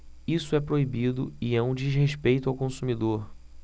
isso é proibido e é um desrespeito ao consumidor